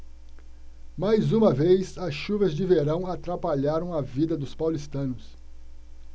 mais uma vez as chuvas de verão atrapalharam a vida dos paulistanos